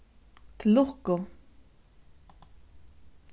til lukku